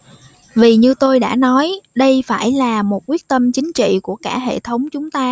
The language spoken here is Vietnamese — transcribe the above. vì như tôi đã nói đây phải là một quyết tâm chính trị của cả hệ thống chúng ta